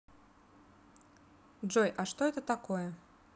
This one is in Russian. джой а что такое